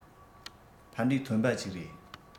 ཕན འབྲས ཐོན པ ཅིག རེད